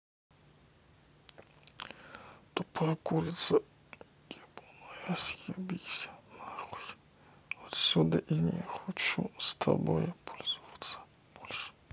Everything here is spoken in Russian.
тупая курица ебаная съебись нахуй отсюда я не хочу с тобой пользоваться больше